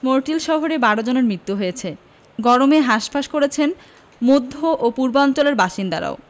Montreal শহরেই ১২ জনের মৃত্যু হয়েছে গরমে হাসফাঁস করেছেন মধ্য ও পূর্বাঞ্চলের বাসিন্দারাও